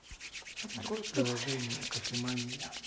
открой приложение кофемания